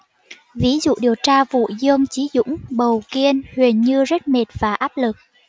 ví dụ điều tra vụ dương chí dũng bầu kiên huyền như rất mệt và áp lực